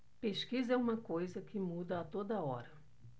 pesquisa é uma coisa que muda a toda hora